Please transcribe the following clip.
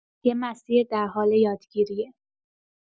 یه مسیر در حال یادگیریه.